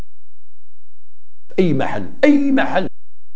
اي محل